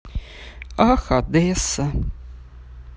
ах одесса